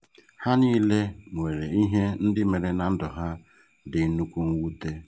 Ha niile nwere ihe ndị mere na ndụ ha dị nnukwu mwute.